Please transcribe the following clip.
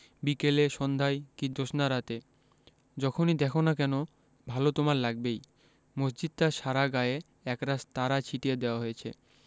বিকেলে সন্ধায় কি জ্যোৎস্নারাতে যখনি দ্যাখো না কেন ভালো তোমার লাগবেই মসজিদটার সারা গায়ে একরাশ তারা ছিটিয়ে দেয়া হয়েছে